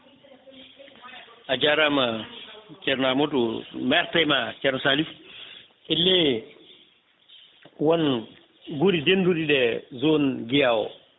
a jarama ceerno Amadou mi arta e ma ceerno Salif elle woon guure denduɗe ɗe zone Guiya o